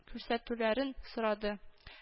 Күрсәтүләрен сорады